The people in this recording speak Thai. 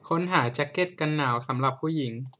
ค้นหาแจ๊กเก็ตกันหนาวสำหรับผู้หญิง